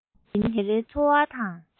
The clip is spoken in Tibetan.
རང ཉིད ཀྱི ཉིན རེའི འཚོ བ དང